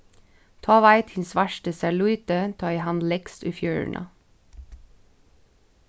tá veit hin svarti sær lítið tá ið hann legst í fjøruna